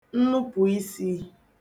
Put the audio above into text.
nnupụ̀isī